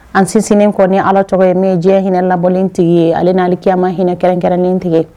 An sisinnen kɔni ni ala tɔgɔ ye min diɲɛ hinɛinɛ labɔlen tigi ye ale n'aleya ma hinɛinɛ kɛrɛnkɛrɛnnen tigɛ